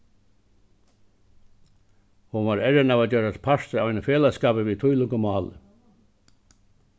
hon var errin av at gerast partur av einum felagsskapi við tílíkum máli